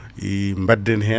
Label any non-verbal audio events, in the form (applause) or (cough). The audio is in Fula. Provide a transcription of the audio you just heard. (hesitation) badden hen